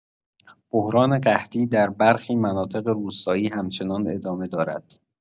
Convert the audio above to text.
بحران قحطی در برخی مناطق روستایی همچنان ادامه دارد.